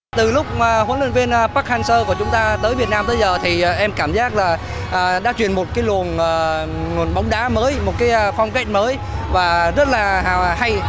từ lúc mà huấn luyện viên pắc hang sơ của chúng ta tới việt nam tới giờ thì em cảm giác là đã chuyển một cái luồng ngờ nguồn bóng đá mới một cái phong cách mới và rất là hào hay